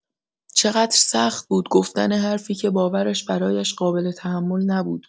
چقدر سخت بود گفتن حرفی که باورش برایش قابل‌تحمل نبود.